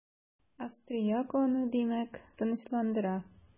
Австрияк аны димәк, тынычландыра.